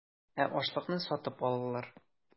Ә ашлыкны сатып алалар.